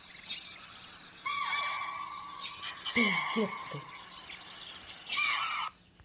пиздец ты